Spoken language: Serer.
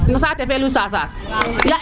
no saate fe lul sasaar